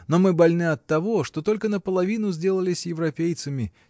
но мы больны оттого, что только наполовину сделались европейцами